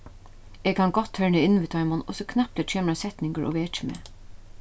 eg kann gott tørna inn við teimum og so knappliga kemur ein setningur og vekir meg